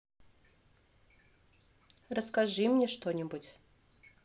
расскажи мне что нибудь